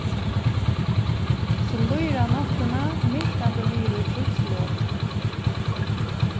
sum líður á náttina minkandi niður í frískt lot